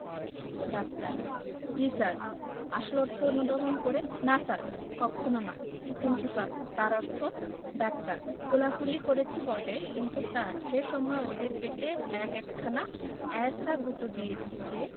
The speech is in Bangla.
ডাক্তার জ্বী স্যার আসল অর্থ অনুধাবন করে না স্যার কক্ষণো নয় প্রিন্সিপাল তার অর্থ ডাক্তার কোলাকুলি করেছি বটে কিন্তু স্যার সে সময় ওদের পেটে এক একখানা এ্যায়সা গুঁতো দিয়েছি যে